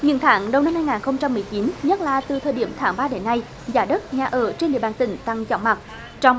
những tháng đầu năm hai nghìn không trăm mười chín nhất là từ thời điểm tháng ba đến nay giá đất nhà ở trên địa bàn tỉnh tăng chóng mặt trong